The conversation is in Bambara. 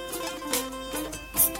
San